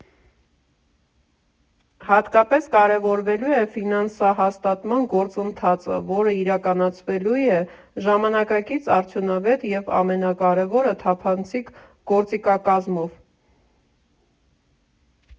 Հատկապես կարևորվելու է ֆինանսահաստատման գործընթացը, որն իրականացվելու է ժամանակակից, արդյունավետ և ամենակարևորը՝ թափանցիկ գործիքակազմով։